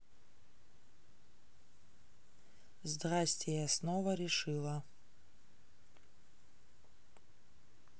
здрасьте я снова решила